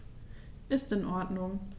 Ist in Ordnung.